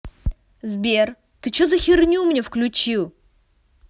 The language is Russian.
сбер что ты за херню мне включил